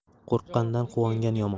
qo'rqqandan quvongan yomon